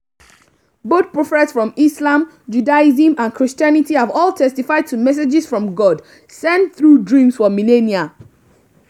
But prophets from Islam, Judaism and Christianity have all testified to messages from God sent through dreams for millennia.